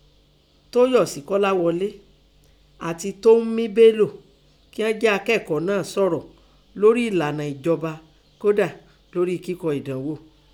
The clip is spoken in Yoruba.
Tóóyọ̀sí Kọ́lágholé àti Tóúnmi Belò kíọ́n jẹ́ akẹ́kọ̀ọ́ náà sọ̀rọ̀ lórí ẹ̀lànà ẹ̀jọba kọ́dá lérí kíkọ ẹ̀dánghò.